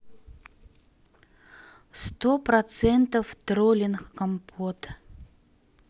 сто процентов троллинг компот